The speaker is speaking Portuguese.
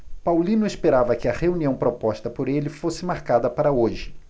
paulino esperava que a reunião proposta por ele fosse marcada para hoje